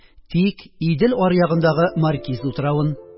Тик Идел аръягындагы Маркиз утравын